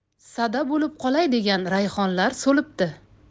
sada bo'lib qolay degan rayhonlar so'libdi